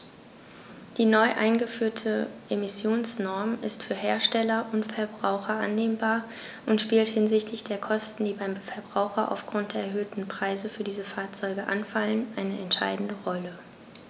Die neu eingeführte Emissionsnorm ist für Hersteller und Verbraucher annehmbar und spielt hinsichtlich der Kosten, die beim Verbraucher aufgrund der erhöhten Preise für diese Fahrzeuge anfallen, eine entscheidende Rolle.